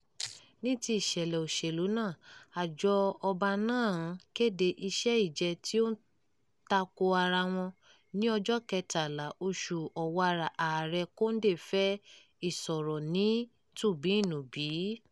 Ní ti ìṣẹ̀lẹ̀ òṣèlú náà, àjọ ọba náà ń kéde iṣẹ́-ìjẹ́ tí ó ń tako ara wọn: Ní ọjọ́ 13, oṣù Ọ̀wàrà Ààrẹ Condé fẹ́ ìsọ̀rọ̀-ní-tùnbí-ǹ-nùbí: